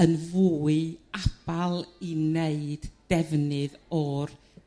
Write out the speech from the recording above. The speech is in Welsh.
yn fwy abal i neud defnydd o'r